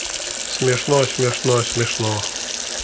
смешно смешно смешно